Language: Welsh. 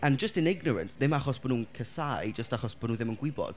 And just in ignorance. Ddim achos bod nhw'n cas͏áu jyst achos bod nhw ddim yn gwybod.